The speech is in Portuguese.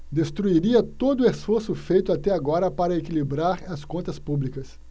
destruiria todo esforço feito até agora para equilibrar as contas públicas